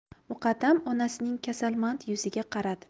muqaddam onasining kasalmand yuziga qaradi